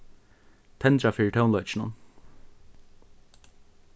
tendra fyri tónleikinum